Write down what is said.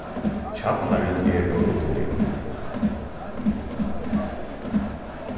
kjallarin er óruddiligur